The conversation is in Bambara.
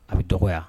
A bɛ dɔgɔya